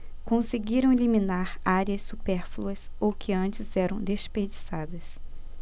conseguiram eliminar áreas supérfluas ou que antes eram desperdiçadas